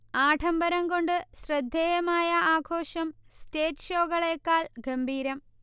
ആഢംബരംകൊണ്ടു ശ്രദ്ധേയമായ ആഘോഷം സ്റ്റേജ് ഷോകളേക്കാൾ ഗംഭീരം